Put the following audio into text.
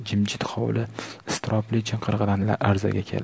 jimjit hovli iztirobli chinqiriqdan larzaga keldi